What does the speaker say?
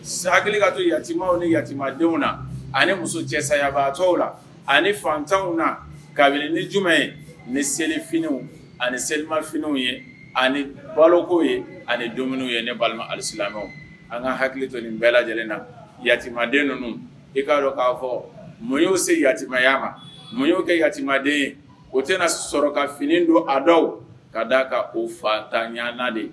Hakili ka to yamaw ni yadenw na ani muso cɛ sa yabaatɔ la ani fantanw na kabini ni jumɛn ye ni selifw ani selimafw ye ani baloko ye ani dumuniw ye ni balima alisiw an ka hakilitɔ nin bɛɛ lajɛlen na yaden ninnu e k'a dɔn k'a fɔ mɔ'o se yatimaya ma numu y'o kɛ yatimaden ye o tɛna sɔrɔ ka fini don ada ka d'a ka o fa ta ɲana de